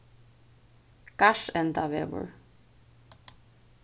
garðsendavegur